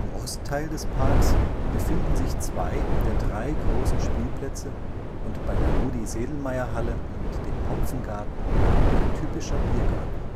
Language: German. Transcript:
Ostteil des Parks befinden zwei der drei großen Spielplätze und bei der Rudi-Sedlmayer-Halle mit dem Hopfengarten ein typischer Biergarten